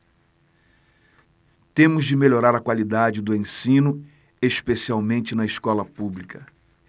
temos de melhorar a qualidade do ensino especialmente na escola pública